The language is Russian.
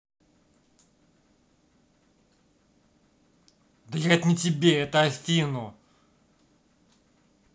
да я это не тебе это афину